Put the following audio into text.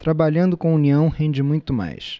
trabalhando com união rende muito mais